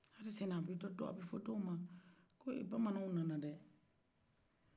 ali sinin a bɛ fɔ dɔɔma ko bamananw nana dɛ